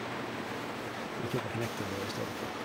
Kan kjøpe knekkebrød i stedet for.